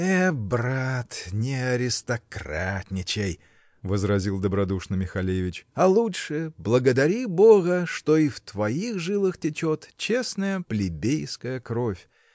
-- Э, брат, не аристократничай, -- возразил добродушно Михалевич, -- а лучше благодари бога, что и в твоих жилах течет честная плебейская кровь.